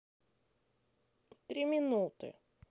три минуты